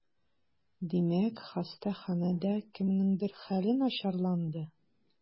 Димәк, хастаханәдә кемнеңдер хәле начарланды?